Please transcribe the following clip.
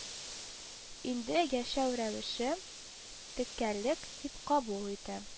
Инде яшәү рәвеше, «текәлек» дип кабул итә